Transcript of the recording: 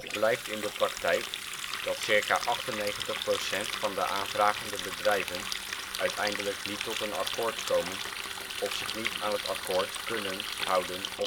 blijkt in de praktijk dat ca. 98 % van de aanvragende bedrijven uiteindelijk niet tot een akkoord komen of zich niet aan het akkoord (kunnen) houden